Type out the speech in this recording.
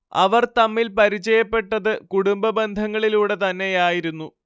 അവർ തമ്മിൽ പരിചയപ്പെട്ടത് കുടുംബ ബന്ധങ്ങളിലൂടെതന്നെയായിരുന്നു